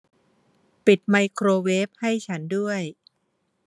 ปิดไมโครเวฟให้ฉันด้วย